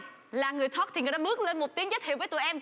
là người thoát thì người đó bước lên một tiếng giới thiệu với tụi